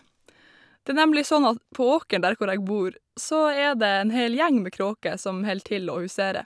Det er nemlig sånn at på åkeren der hvor jeg bor, så er det en hel gjeng med kråker som held til og huserer.